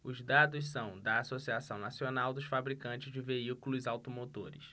os dados são da anfavea associação nacional dos fabricantes de veículos automotores